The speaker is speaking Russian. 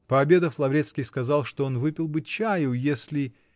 Пообедав, Лаврецкий сказал, что он выпил бы чаю, если.